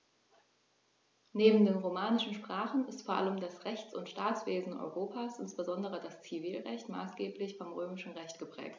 Neben den romanischen Sprachen ist vor allem das Rechts- und Staatswesen Europas, insbesondere das Zivilrecht, maßgeblich vom Römischen Recht geprägt.